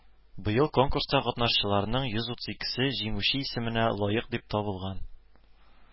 Быел конкурста катнашучыларның йөз утыз икесе җиңүче исеменә лаек дип табылган